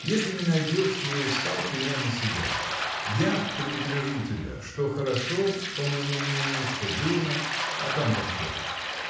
если не найдешь, чего искал, пеняй на себя. Я предупрежу тебя что хорошо по моему мнению что дурно а там как хочешь.